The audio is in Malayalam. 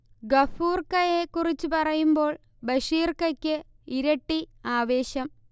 ഗഫൂർക്കയെ കുറിച്ച് പറയുമ്പോൾ ബഷീർക്കക്ക് ഇരട്ടി ആവേശം